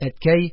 Әткәй: